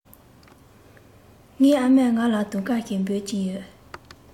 ངའི ཨ མས ང ལ དུང དཀར ཞེས འབོད ཀྱིན ཡོད